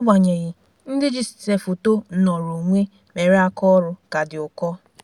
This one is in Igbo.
Agbanyeghị, ndị ji ịse foto nnọrọ onwe mere aka ọrụ ka dị ụkọ.